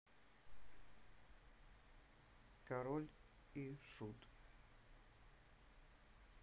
король и шут